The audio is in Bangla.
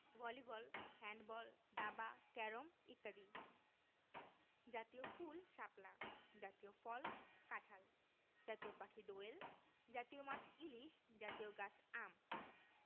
ভলিবল হ্যান্ডবল দাবা ক্যারম ইত্যাদি জাতীয় ফুলঃ শাপলা জাতীয় ফলঃ কাঁঠাল জাতীয় পাখিঃ দোয়েল জাতীয় মাছঃ ইলিশ জাতীয় গাছঃ আম